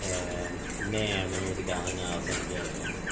Yym, neu maen nhw 'di gael hynna o Tom and Jerry ia.